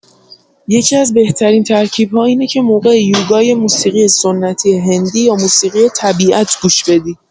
یکی‌از بهترین ترکیب‌ها اینه که موقع یوگا یه موسیقی سنتی هندی یا موسیقی طبیعت گوش بدی.